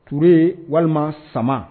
Ture walima sama